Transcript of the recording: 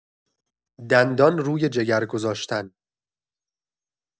دندان روی جگر گذاشتن